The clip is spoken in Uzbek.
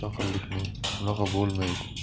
mustaqillikni bunaqa bo'lmaydi